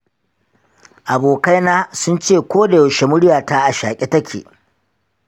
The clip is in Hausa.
abokaina sun ce ko da yaushe muryata a shaƙe take.